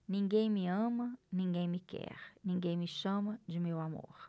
ninguém me ama ninguém me quer ninguém me chama de meu amor